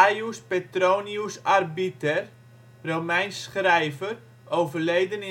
Gaius Petronius Arbiter, Romeins schrijver (overleden